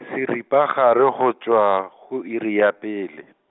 seripagare go tšwa, go iri ya pele.